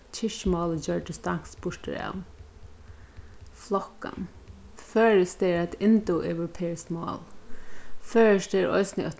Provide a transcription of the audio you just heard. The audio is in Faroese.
kirkjumálið gjørdist danskt burturav flokkan føroyskt er eitt indoeuropeiskt mál føroyskt er eisini eitt